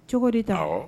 Cogo di taa wa